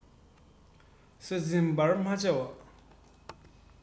ས སྲིན འབར མ བྱ བ